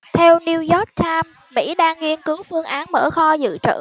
theo new york times mỹ đang nghiên cứu phương án mở kho dự trữ